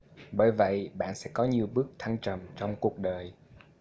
bởi vậy bạn sẽ có nhiều bước thăng trầm trong cuộc đời